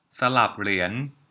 สลับเหรียญ